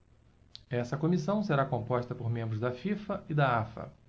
essa comissão será composta por membros da fifa e da afa